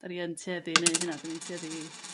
'dan ni yn tueddi i neu' hyna 'dan ni'n tueddi